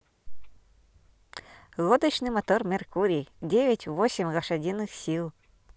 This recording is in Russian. лодочный мотор меркурий девять восемь лошадиных сил